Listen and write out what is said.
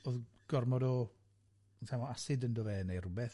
.. Oedd gormod o acid ynddo fe, neu rywbeth.